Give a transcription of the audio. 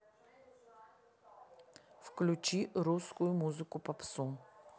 включи русскую музыку попсу